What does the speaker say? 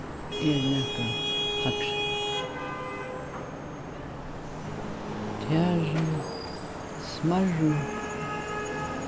er nakað hægri tær smærru